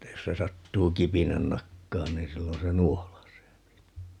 että jos se sattuu kipinän nakkaamaan niin silloin se nuolaisee niin